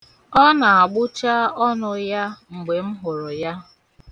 Ọ na-agbụcha ọnụ ya mgbe m hụrụ ya.